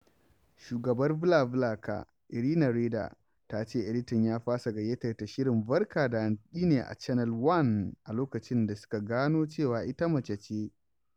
Shugabar BlaBlaCar, Irina Reyder ta ce editan ya fasa gayyatar ta shirin Barka da Hantsi ne a Channel One a lokacin da suka gano cewa ita mace ce.